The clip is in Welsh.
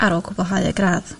ar ôl cwbwlhau y gradd>